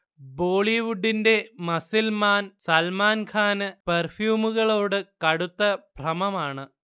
ബോളിവുഡിന്റെ muscleman സൽമാൻഖാന് പെർഫ്യൂമുകളോട് കടുത്ത ഭ്രമമാണ്